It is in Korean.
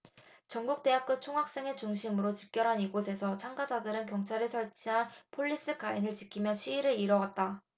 전국 대학교 총학생회 중심으로 집결한 이곳에서 참가자들은 경찰이 설치한 폴리스라인을 지키며 시위를 이어갔다